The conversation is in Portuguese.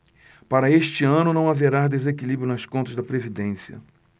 para este ano não haverá desequilíbrio nas contas da previdência